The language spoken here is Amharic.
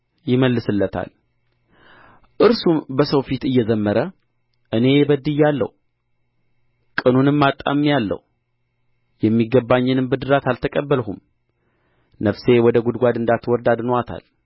ይመልስለታል እርሱም በሰው ፊት እየዘመረ እኔ በድያለሁ ቅኑንም አጣምሜአለሁ የሚገባኝንም ብድራት አልተቀበልሁም ነፍሴ ወደ ጕድጓድ እንዳትወርድ አድኖአታል